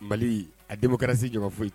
Mali a démocratie cɔgɔn foyi